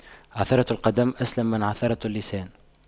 عثرة القدم أسلم من عثرة اللسان